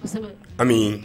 Ami